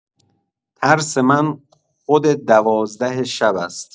ترس من خود دوازده شب است!